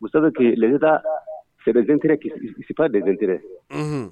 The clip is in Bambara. Muso ta sɛɛnsip deɛnteɛrɛ